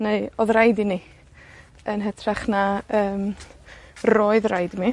neu odd raid i ni, yn hytrach na yym, roedd raid i ni.